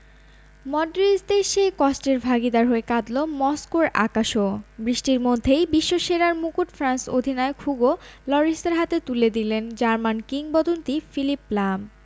মডরিচদের সেই কষ্টের ভাগিদার হয়ে কাঁদল মস্কোর আকাশও বৃষ্টির মধ্যেই বিশ্বসেরার মুকুট ফ্রান্স অধিনায়ক হুগো লরিসের হাতে তুলে দিলেন জার্মান কিংবদন্তি ফিলিপ লাম